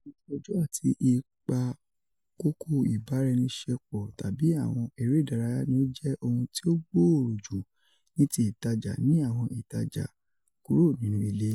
Oju ọjọ ati ipa koko ibara-ẹni-ṣepo tabi awon ere idaraya ni o jẹ ohun ti o gbooroju ni ti itaja ni awọn itaja kúrò nínú ile.